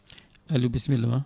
Aliou bisimilla